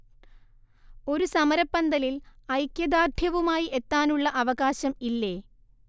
ഒരു സമരപന്തലിൽ ഐക്യദാർഢ്യവുമായി എത്താനുള്ള അവകാശം ഇല്ലേ